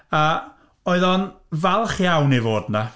A oedd o'n falch iawn i fod 'na.